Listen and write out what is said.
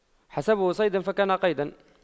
حسبه صيدا فكان قيدا